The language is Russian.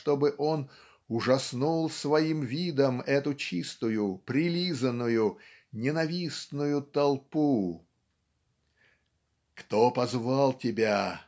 чтобы он "ужаснул своим видом эту чистую прилизанную ненавистную толпу". "Кто позвал тебя?